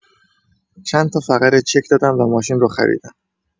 چند تا فقره چک دادم و ماشین رو خریدم